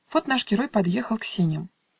Вот наш герой подъехал к сеням